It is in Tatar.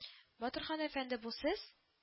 - батырхан әфәнде, бу сез